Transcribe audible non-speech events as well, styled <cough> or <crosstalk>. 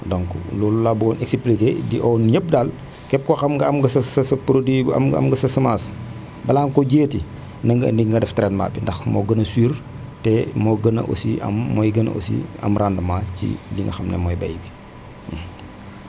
donc loolu laa bëggoon expliqué di oo ñëpp daal képp koo xam ne am nga sa sa produit bu am am nga sa semence balaa nga koo jiyati na nga ëndi nga def traitement bi ndax moo gën a sûr te moo gën a aussi am mooy gën a aussi am rendement ci li nga xamne mooy bay bi <hesitation> <hesitation>